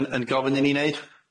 yn yn gofyn i ni neud,